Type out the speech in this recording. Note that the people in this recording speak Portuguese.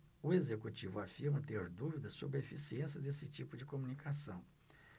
o executivo afirma ter dúvidas sobre a eficiência desse tipo de comunicação